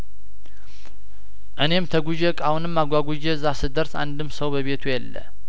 እኔም ተጉ ዤ እቃውንም አጓጉ ዤ እዛ ስደርስ አንድም ሰው በቤቱ የለ